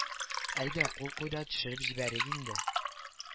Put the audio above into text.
Әйдә кул куй да төшереп җибәрик инде